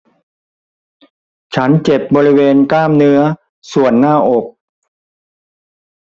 ฉันเจ็บบริเวณกล้ามเนื้อส่วนหน้าอก